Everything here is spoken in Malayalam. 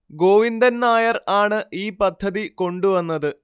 ഗോവിന്ദൻ നായർ ആണ് ഈ പദ്ധതി കൊണ്ടുവന്നത്